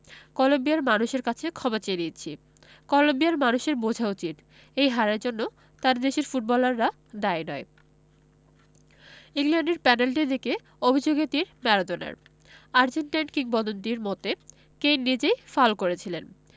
কলম্বিয়ার মানুষের কাছে ক্ষমা চেয়ে নিচ্ছি কলম্বিয়ার মানুষের বোঝা উচিত এই হারের জন্য তাদের দেশের ফুটবলাররা দায়ী নয় ইংল্যান্ডের পেনাল্টির দিকে অভিযোগের তির ম্যারাডোনার আর্জেন্টাইন কিংবদন্তির মতে কেইন নিজেই ফাউল করেছিলেন